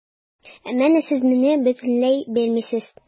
Ә менә сез мине бөтенләй белмисез.